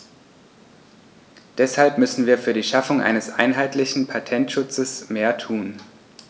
Deshalb müssen wir für die Schaffung eines einheitlichen Patentschutzes mehr tun.